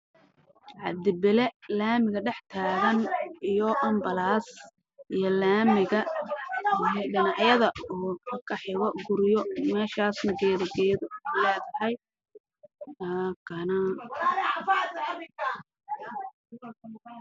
Waa laami waxaa maraayo gaari cadaan